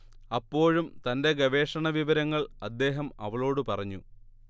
അപ്പോഴും തന്റെ ഗവേഷണവിവരങ്ങൾ അദ്ദേഹം അവളോട് പറഞ്ഞു